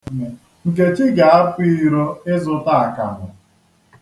Nkechi ga-apụ iro ịzụta akamụ.